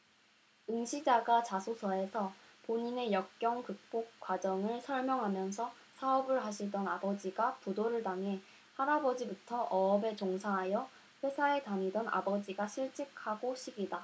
응시자가 자소서에서 본인의 역경 극복 과정을 설명하면서 사업을 하시던 아버지가 부도를 당해 할아버지부터 어업에 종사하여 회사에 다니던 아버지가 실직하고 식이다